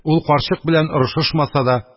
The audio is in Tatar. Ул, карчык берлән орышышмаса да,